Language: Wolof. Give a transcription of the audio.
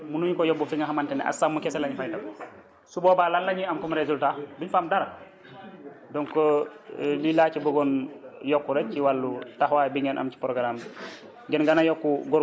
waaye programme béy munuñu ko yóbbu fi nga xamante ne as sàmm kese lañ fay def su boobaa lan la ñuy am comme résultat duñ fa am dara donc lii laa ci bëggoon yokk rek ci wàllu taxawaay bi ngeen am ci programme bi